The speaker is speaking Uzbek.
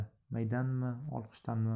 maydanmi olqishdanmi